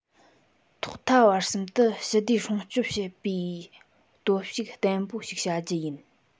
ཐོག མཐའ བར གསུམ དུ ཞི བདེ སྲུང སྐྱོང བྱེད པའི སྟོབས ཤུགས བརྟན པོ ཞིག བྱ རྒྱུ ཡིན